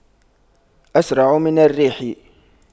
أسرع من الريح